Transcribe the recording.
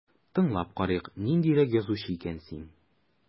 Тыңлап карыйк, ниндирәк язучы икән син...